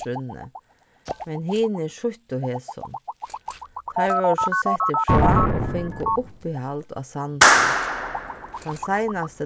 trúnni men hinir sýttu hesum teir vórðu so settir frá og fingu uppihald á sandi tann seinasti